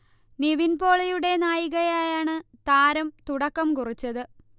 നിവിൻ പോളിയുടെ നായികയായാണ് താരം തുടക്കം കുറിച്ചത്